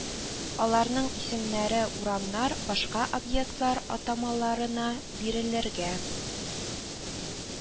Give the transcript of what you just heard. Аларның исемнәре урамнар, башка объектлар атамаларына бирелергә